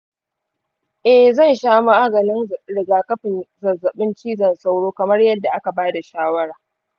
eh, zan sha maganin rigakafin zazzabin cizon sauro kamar yadda aka ba da shawara.